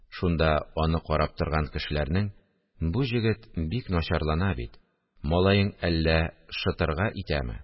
Шунда аны карап торган кешеләрнең: – Бу җегет бик начарлана бит, малаең әллә шытырга итәме